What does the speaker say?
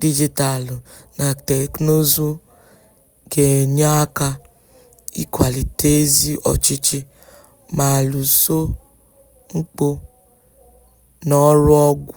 dijitalụ na teknụzụ ga-enye aka ịkwalite ezi ọchịchị ma lụso mpụ na arụ ọgụ.